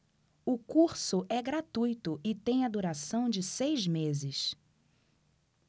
o curso é gratuito e tem a duração de seis meses